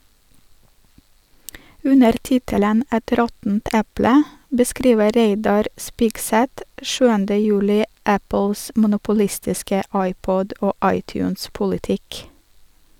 Under tittelen «Et råttent eple» beskriver Reidar Spigseth 7. juli Apples monopolistiske iPod- og iTunes-politikk.